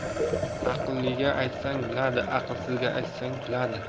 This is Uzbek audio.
aqlliga aytsang biladi aqlsizga aytsang kuladi